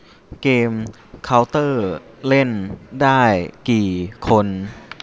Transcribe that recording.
เกมเค้าเตอร์เล่นได้กี่คน